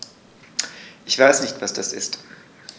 Ich weiß nicht, was das ist.